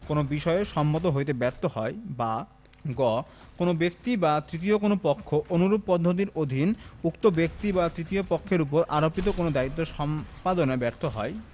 কোন বিষয়ে সম্মত হইতে ব্যর্থ হয় বা গ কোন ব্যীক্ত বা তৃতীয় কোন পক্ষ অনুরূপ পদ্ধতির অধীন উক্ত ব্যক্তি বা তৃতীয় পক্ষের উপর আরোপিত কোন দায়িত্ব সম্পাদনে ব্যর্থ হয়